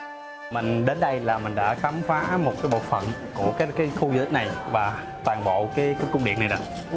mình đến đây là mình đã khám phá một số bộ phận của cái cái khu di tích này và toàn bộ cái cung điện này là